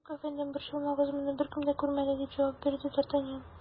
Юк, әфәндем, борчылмагыз, моны беркем дә күрмәде, - дип җавап бирде д ’ Артаньян.